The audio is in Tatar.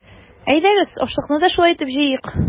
Әйдәгез, ашлыкны да шулай итеп җыйыйк!